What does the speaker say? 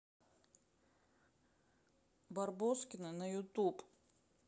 барбоскины на ютуб